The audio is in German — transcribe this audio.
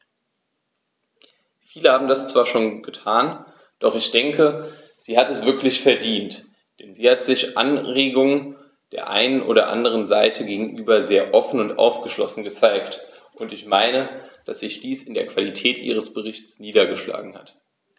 Viele haben das zwar schon getan, doch ich denke, sie hat es wirklich verdient, denn sie hat sich Anregungen der einen und anderen Seite gegenüber sehr offen und aufgeschlossen gezeigt, und ich meine, dass sich dies in der Qualität ihres Berichts niedergeschlagen hat.